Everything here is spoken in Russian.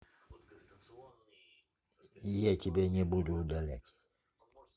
я тебя не буду удалять